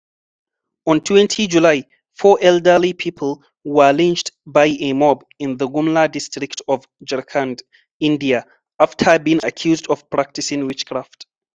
On 20 July, four elderly people were lynched by a mob in the Gumla District of Jharkhand, India after being accused of practicing witchcraft.